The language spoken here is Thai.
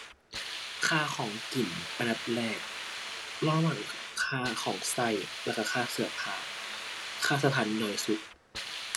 ค่าของกินอันดับแรก รองลงมาก็คือค่าของก็ แล้วก็ค่าเสื้อผ้า ค่าเสื้อผ้านี่น้อยสุด